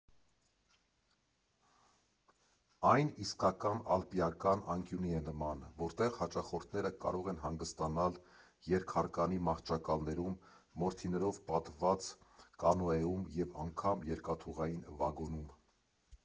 Այն իսկական ալպիական անկյունի է նման, որտեղ հաճախորդները կարող են հանգստանալ երկհարկանի մահճակալներում, մորթիներով պատված կանոեում և անգամ երկաթուղային վագոնում։